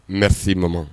N bɛ si ma